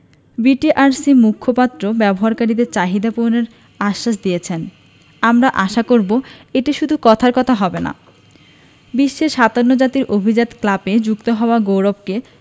বিটিআরসির মুখপাত্র ব্যবহারকারীদের চাহিদা পূরণের আশ্বাস দিয়েছেন আমরা আশা করব এটা শুধু কথার কথা হবে না বিশ্বের ৫৭ জাতির অভিজাত ক্লাবে যুক্ত হওয়ার গৌরবকে